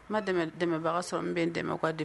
N ma dɛmɛ dɛmɛbaga sɔrɔ min bɛ n bɛ n dɛmɛ ka de